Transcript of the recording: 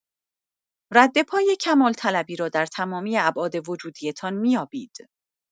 رد پای کمال‌طلبی را در تمامی ابعاد وجودی‌تان می‌یابید.